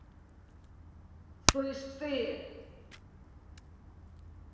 слышь ты